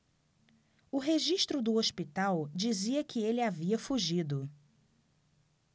o registro do hospital dizia que ele havia fugido